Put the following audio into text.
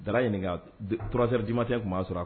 Dara ɲininka 3 heures du matin tun b'a sɔrɔ a la